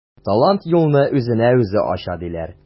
Талант юлны үзенә үзе ача диләр.